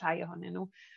Rhai ohonyn nw.